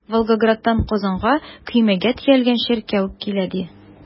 Волгоградтан Казанга көймәгә төялгән чиркәү килә, ди.